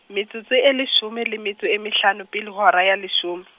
metsotso e leshome le metso e mehlano pele ho hora ya leshome.